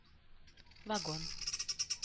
Вагон